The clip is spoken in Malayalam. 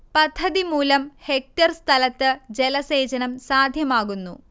പദ്ധതിമൂലം ഹെക്റ്റർ സ്ഥലത്ത് ജലസേചനം സാധ്യമാകുന്നു